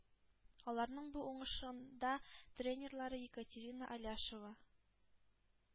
Аларның бу уңышында тренерлары Екатерина Аляшева,